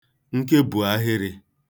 nkebùahịrị̄